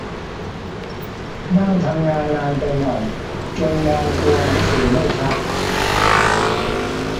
นั่งทำงานนานไปหน่อยจนมองตัวหนังสือไม่ชัด